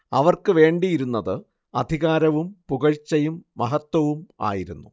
അവർക്കുവേണ്ടിയിരുന്നത് അധികാരവും പുകഴ്ച്ചയും മഹത്ത്വവും ആയിരുന്നു